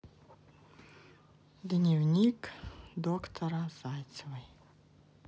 дневник доктора зайцевой